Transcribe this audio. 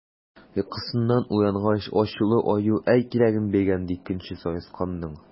Йокысыннан уянгач, ачулы Аю әй кирәген биргән, ди, көнче Саесканның!